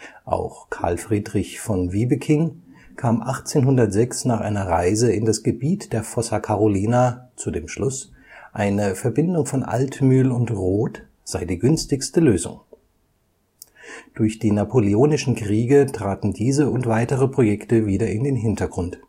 Auch Carl Friedrich von Wiebeking, kam 1806 nach einer Reise in das Gebiet der Fossa Carolina zu dem Schluss, eine Verbindung von Altmühl und Roth sei die günstigste Lösung. Durch die Napoleonischen Kriege traten diese und weitere Projekte wieder in den Hintergrund